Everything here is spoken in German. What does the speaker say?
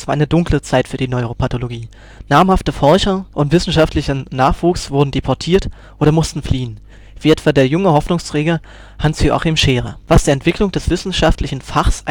eine dunkle Zeit für die Neuropathologie; namhafte Forscher und wissenschaftlicher Nachwuchs wurden deportiert oder mussten fliehen (wie etwa der junge Hoffnungsträger Hans-Joachim Scherer), was der Entwicklung des wissenschaftlichen Fachs